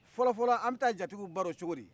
fɔlɔfɔlɔ an bɛ taa jatigiw baro cogodi